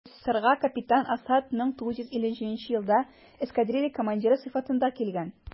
СССРга капитан Асад 1957 елда эскадрилья командиры сыйфатында килгән.